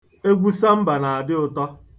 Egwu samba na-adị ụtọ.